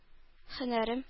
Һөнәрем